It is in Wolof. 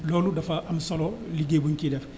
loolu dafa am solo liggéey buñ ciy def